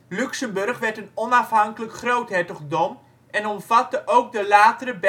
Luxemburg werd een onafhankelijk groothertogdom en omvatte ook de latere Belgische